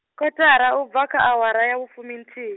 kotara ubva kha awara ya u vhu fuminthihi.